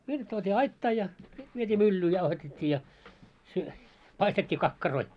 viljat tuotiin aittaan ja sitten vietiin myllyyn jauhatettiin ja - paistettiin kakkaroita